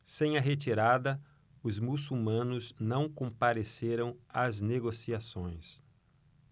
sem a retirada os muçulmanos não compareceram às negociações